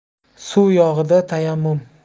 suv yo'g'ida tayammum